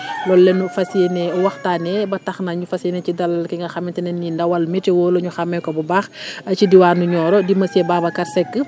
loolu la ñu fas yéenee waxtaanee ba tax na ñu fas yéene ci dalal ki nga xamante ne nii ndawal météo la ñu xàmmee ko bu baax ci diwaanu Nioro di monsieur Babacar Seck